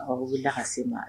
Bɛ da ka se ma